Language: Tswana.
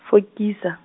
fokisa.